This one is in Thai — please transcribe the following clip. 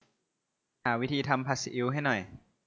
หาวิธีทำผัดซีอิ๊วให้หน่อย